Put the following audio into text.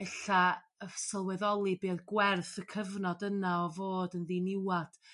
ella yy sylweddoli be' odd gwerth y cyfnod yna o fod yn ddiniwad